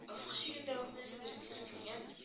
Офык чигендә үк нәрсәдер селкенгән